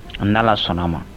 An' sɔnna a ma